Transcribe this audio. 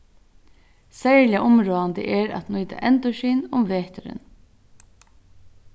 serliga umráðandi er at nýta endurskin um veturin